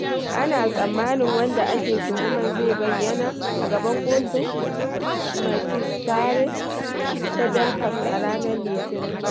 Ana tsammanin wanda ake tuhuman zai bayyana a gaban Kotun Majistare ta Belfast a ranar Litinin.